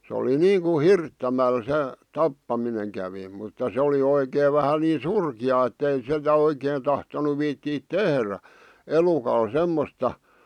se oli niin kuin hirttämällä se tappaminen kävi mutta se oli oikein vähän niin surkeaa että ei sitä oikein tahtonut viitsiä tehdä elukalle semmoista